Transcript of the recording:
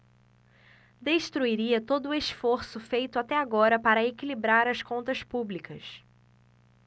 destruiria todo esforço feito até agora para equilibrar as contas públicas